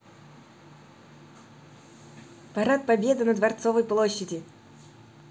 парад победы на дворцовой площади